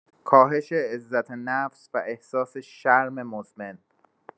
کاهش عزت‌نفس و احساس شرم مزمن